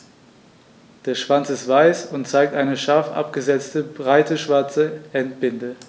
Der Schwanz ist weiß und zeigt eine scharf abgesetzte, breite schwarze Endbinde.